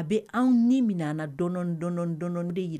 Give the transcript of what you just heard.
A bɛ anw ni minɛn na dɔndɔndɔn de ye